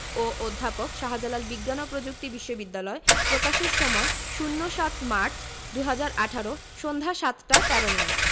ও অধ্যাপক শাহজালাল বিজ্ঞান ও প্রযুক্তি বিশ্ববিদ্যালয় প্রকাশের সময় ০৭মার্চ ২০১৮ সন্ধ্যা ৭টা ১৩ মিনিট